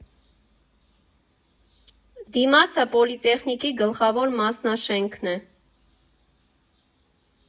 Դիմացը պոլիտեխնիկի գլխավոր մասնաշենքն է։